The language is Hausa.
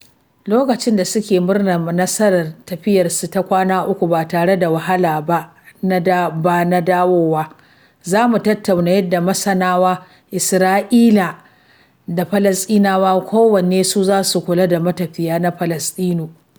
Lokacin da suke murnar nasarar tafiyarsu ta kwana uku ba tare da wahala ba na dawowa, za mu tattauna yadda Masarawa, Isra’ilawa da Falasɗinawa kowanne su zasu kula da matafiya na Falasɗinu.